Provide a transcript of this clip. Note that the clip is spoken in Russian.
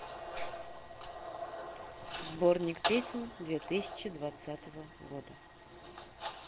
сборник песен две тысячи двадцатого года